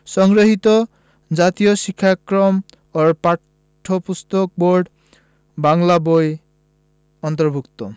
সংগৃহীত জাতীয় শিক্ষাক্রম ও পাঠ্যপুস্তক বোর্ড বাংলা বই এর অন্তর্ভুক্ত